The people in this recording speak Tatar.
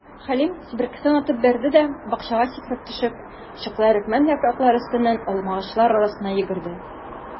Хәлим, себеркесен атып бәрде дә, бакчага сикереп төшеп, чыклы әрекмән яфраклары өстеннән алмагачлар арасына йөгерде.